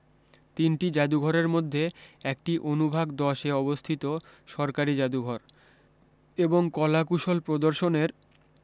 তিনটি জাদুঘরের মধ্যে একটি অনুভাগ দশ এ অবস্থিত সরকারী জাদুঘর এবং কলা কুশল প্রদর্শনের